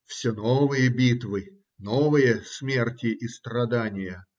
-------------- Все новые битвы, новые смерти и страдания.